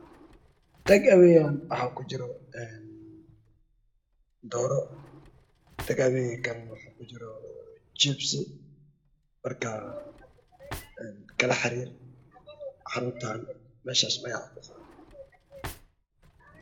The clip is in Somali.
Tag aweey ayeey ku jiraan dooro tag aweegaan waxaa kujiro jibsi marka kala xariir xarunta magaca ku qoron meesha